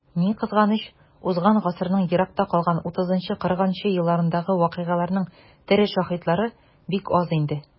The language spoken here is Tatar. Ни кызганыч, узган гасырның еракта калган 30-40 нчы елларындагы вакыйгаларның тере шаһитлары бик аз инде.